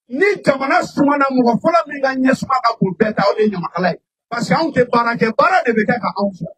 Ni jamana sumana, mɔgɔ fɔlɔ min ka ɲɛsuma ka bon ni bɛɛ ta ye , o ye ɲamakala ye parce que anw tɛ baara kɛ, baara de bɛ kɛ k'anw sɔn!